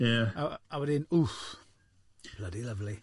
A a wedyn, wff, bloody lovely.